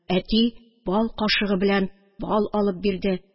Әти бал кашыгым белән бал алып бирде